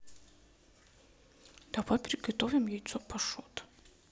давай приготовим яйцо пашот